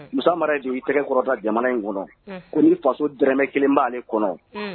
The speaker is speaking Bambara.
Muso mara ye i tɛgɛ kɔrɔda jamana in kɔnɔ ko ni faso dmɛ kelen b' de kɔnɔ